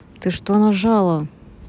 ты что нажала